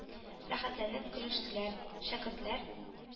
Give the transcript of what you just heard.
Рәхәтләнеп көлештеләр. Шәкертләр,